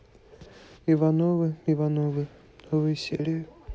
ивановы ивановы новые серии